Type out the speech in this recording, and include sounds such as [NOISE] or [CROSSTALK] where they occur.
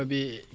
[HESITATION] [HESITATION]